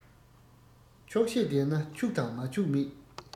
ཆོག ཤེས ལྡན ན ཕྱུག དང མ ཕྱུག མེད